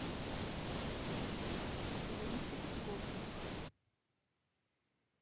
лунтик гопник